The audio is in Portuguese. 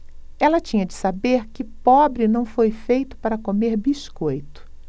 ela tinha de saber que pobre não foi feito para comer biscoito